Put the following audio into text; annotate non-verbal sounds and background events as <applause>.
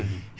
<hesitation> <hesitation>